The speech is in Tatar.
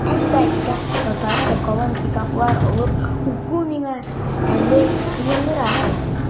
Әлбәттә, татарча калын китаплар алып уку миңа әле кыенрак.